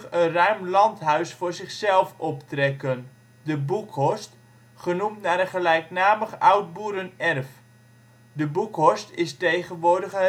ruim landhuis voor zichzelf optrekken, De Boekhorst, genoemd naar een gelijknamig oud boerenerf. De Boekhorst is tegenwoordig